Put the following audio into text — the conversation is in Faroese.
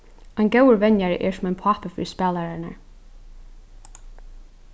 ein góður venjari er sum ein pápi fyri spælararnar